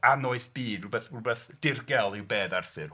Anoeth byd rhywbeth... rhywbeth dirgel yw bedd Arthur.